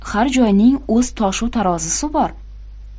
har joyning o'z toshu tarozisi bor